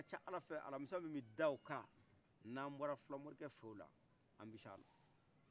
a ka can ala fɛ alamisa min bi d'o kan n'an bɔra filan mɔrikɛ fey ola an bi s'ala